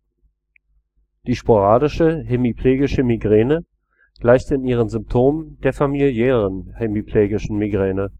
Die sporadische hemiplegische Migräne gleicht in ihren Symptomen der familiären hemiplegischen Migräne